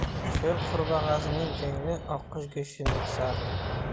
cho'lqurbaqaning ko'ngli oqqush go'shtini tusar